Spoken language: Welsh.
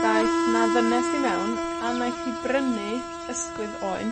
daeth 'na ddynes i mewn a naeth hi brynu ysgwydd oen,